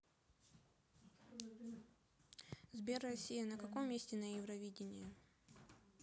сбер россия на каком месте на евровидении